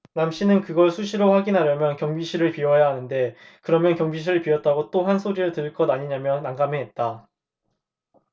남씨는 그걸 수시로 확인하려면 경비실을 비워야 하는데 그러면 경비실 비웠다고 또 한 소리 들을 것 아니냐라며 난감해했다